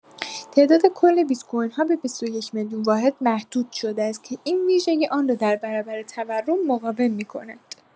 تعداد کل بیت‌کوین‌ها به ۲۱ میلیون واحد محدود شده است که این ویژگی آن را در برابر تورم مقاوم می‌کند.